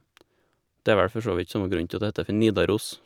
Det er vel for så vidt samme grunnen til at det heter for Nidaros.